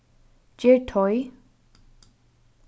ger teig